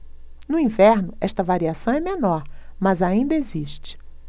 no inverno esta variação é menor mas ainda existe